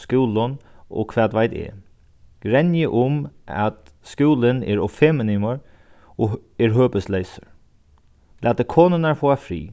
skúlum og hvat veit eg grenjið um at skúlin er ov femininur og er høpisleysur latið konurnar fáa frið